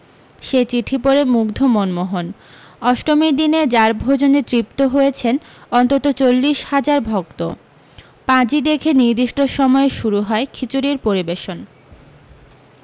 সেই চিঠি পড়ে মুগ্ধ মনমোহন অষ্টমীর দিনে যার ভোজনে তৃপ্ত হয়েছেন অন্তত চল্লিশ হাজার ভক্ত পাঁজি দেখে নির্দিষ্ট সময়ে শুরু হয় খিচুড়ির পরিবেশন